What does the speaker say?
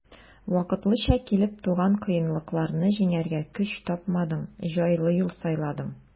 Вакытлыча килеп туган кыенлыкларны җиңәргә көч тапмадың, җайлы юл сайладың.